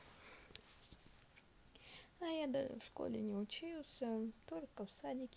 а я даже в школе не учился только в садике